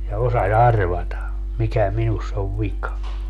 ja osasi arvata mikä minussa on vika